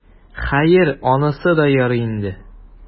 Хәер, анысы да ярый инде.